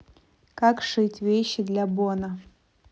как сшить вещи для бона